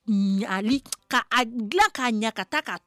Ka dilan k'ɲakata'